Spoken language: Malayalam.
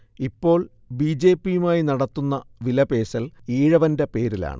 ഇപ്പോൾ ബിജെപിയുമായി നടത്തുന്ന വിലപേശൽ ഈഴവന്റെ പേരിലാണ്